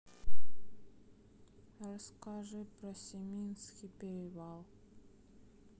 расскажи про семинский перевал